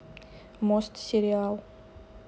мост сериал